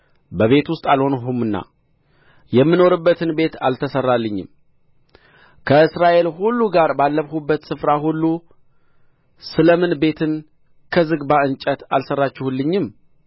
በቤት ውስጥ አልኖርሁምና የምኖርበትን ቤት አትሠራልኝም ከእስራኤል ሁሉ ጋር ባለፍሁበት ስፍራ ሁሉ ስለ ምን ቤትን ከዝግባ እንጨት አልሠራችሁልኝም